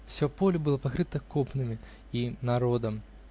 Все поле было покрыто копнами и народом.